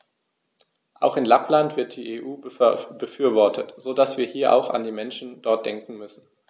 Auch in Lappland wird die EU befürwortet, so dass wir hier auch an die Menschen dort denken müssen.